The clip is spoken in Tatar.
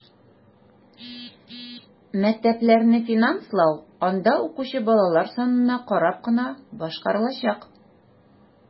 Мәктәпләрне финанслау анда укучы балалар санына карап кына башкарылачак.